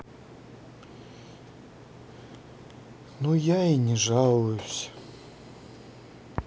ну я и не жалуюсь